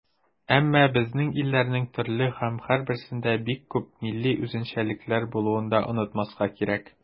Әмма безнең илләрнең төрле һәм һәрберсендә бик күп милли үзенчәлекләр булуын да онытмаска кирәк.